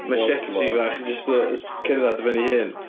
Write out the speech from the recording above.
Machete bach jyst y- s- cerdded ar ben ei hyn.